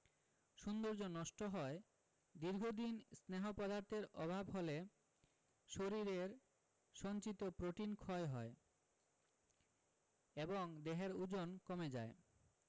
সৌন্দর্য নষ্ট হয় দীর্ঘদিন স্নেহ পদার্থের অভাব হলে শরীরের সঞ্চিত প্রোটিন ক্ষয় হয় এবং দেহের ওজন কমে যায়